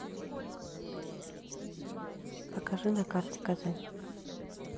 покажи на карте казань